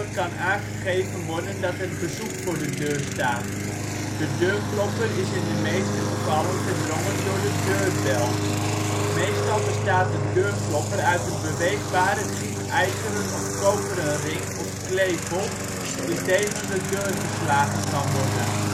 kan aangegeven worden dat er bezoek voor de deur staat. De deurklopper is in de meeste gevallen verdrongen door de deurbel. Meestal bestaat de deurklopper uit een beweegbare gietijzeren of koperen ring of klepel die tegen de deur geslagen kan worden